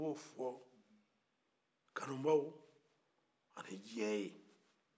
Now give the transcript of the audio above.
n bɛ o fɔ kanubaw ani dunuya ye